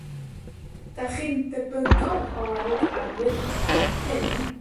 'Dach chi'n debygol o weld arwydd fel hyn,